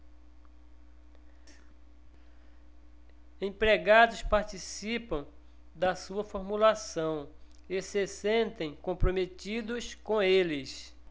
empregados participam da sua formulação e se sentem comprometidos com eles